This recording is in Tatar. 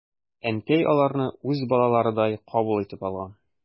Әнкәй аларны үз балаларыдай кабул итеп алган.